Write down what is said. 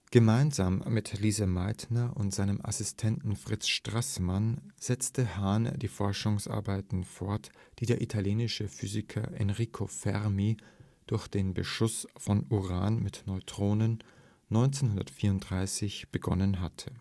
Gemeinsam mit Lise Meitner und seinem Assistenten Fritz Straßmann setzte Hahn die Forschungsarbeiten fort, die der italienische Physiker Enrico Fermi durch den Beschuss von Uran mit Neutronen 1934 begonnen hatte